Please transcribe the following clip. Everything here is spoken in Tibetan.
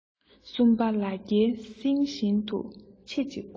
གསུམ པ ལ རྒྱ སེངྒེ བཞིན དུ ཆེ གཅིག དགོས